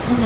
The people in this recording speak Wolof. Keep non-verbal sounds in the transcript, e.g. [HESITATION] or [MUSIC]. [HESITATION] [HESITATION]